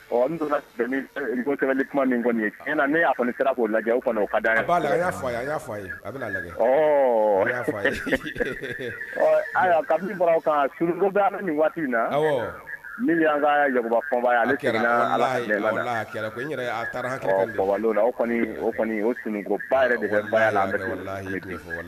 Kuma ni kɔni e na ne y' kɔni taara k'o lajɛ ka sun waati na minyanba sun